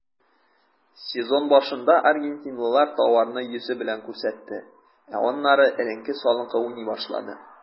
Сезон башында аргентинлылар тауарны йөзе белән күрсәтте, ә аннары эленке-салынкы уйный башлады.